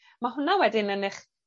Ma' hwnna wedyn yn 'ych